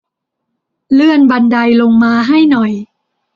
เลื่อนบันไดลงมาให้หน่อย